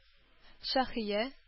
Шаһия